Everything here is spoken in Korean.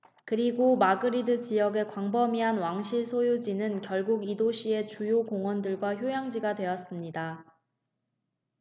그리고 마드리드 지역의 광범위한 왕실 소유지는 결국 이 도시의 주요 공원들과 휴양지가 되었습니다